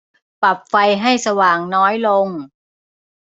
ปรับไฟให้สว่างน้อยลง